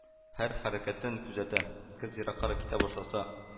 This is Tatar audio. Һәр хәрәкәтен күзәтә. Кыз ераккарак китә башласа: